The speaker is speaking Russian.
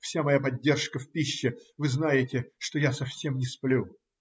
Вся моя поддержка в пище; вы знаете, что я совсем не сплю.